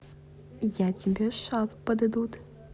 я тебе shut подадут